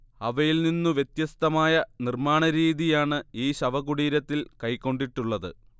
അവയിൽനിന്നു വ്യത്യസ്തമായ നിർമ്മാണരീതിയാണ് ഈ ശവകുടീരത്തിൽ കൈക്കൊണ്ടിട്ടുള്ളത്